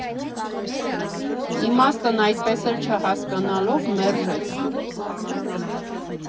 Իմաստն այդպես էլ չհասկանալով՝ մերժեց։